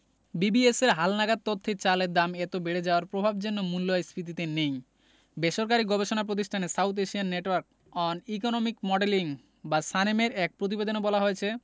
বিবিএসের হালনাগাদ তথ্যে চালের দাম এত বেড়ে যাওয়ার প্রভাব যেন মূল্যস্ফীতিতে নেই বেসরকারি গবেষণা প্রতিষ্ঠান South Asian network on economic modelling বা সানেমের এক প্রতিবেদনে বলা হয়েছে